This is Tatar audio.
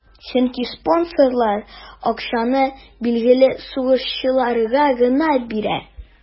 Чөнки спонсорлар акчаны билгеле сугышчыларга гына бирә.